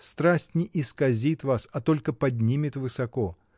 Страсть не исказит вас, а только поднимет высоко.